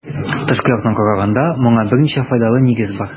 Тышкы яктан караганда моңа берничә файдалы нигез бар.